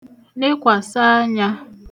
nekwàsà anyā